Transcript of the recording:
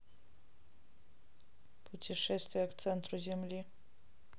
путешествие к центру земли